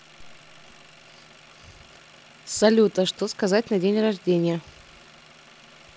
салют а что сказать на день рождения